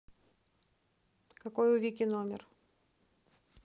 какой у вики номер